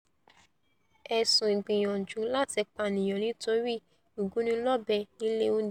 Ẹ̀sùn ìgbìyànjú láti pànìyàn nítorí ìgúnnilọ́bẹ nílé oúnjẹ